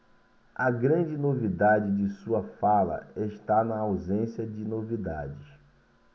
a grande novidade de sua fala está na ausência de novidades